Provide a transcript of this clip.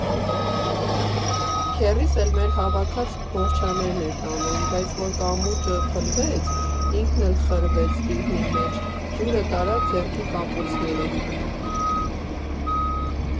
Քեռիս էլ մեր հավաքած բոխչաներն էր տանում, բայց որ կամուրջը փլվեց, ինքն էլ խրվեց տիղմի մեջ, ջուրը տարավ ձեռքի կապոցները։